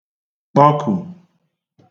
kpọkù